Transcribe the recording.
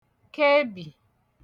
kebì